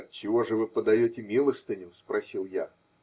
-- Отчего же вы подаете милостыню? -- спросил я.